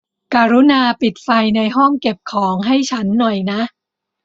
กรุณาปิดไฟในห้องเก็บของให้ฉันหน่อยนะ